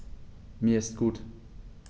Mir ist gut.